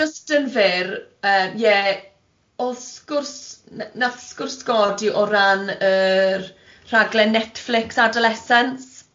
Jyst yn fyr yym ie o'dd sgwrs n- nath sgwrs godi o ran yr rhaglen Netflix adolescence.